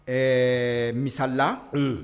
Ɛɛ misala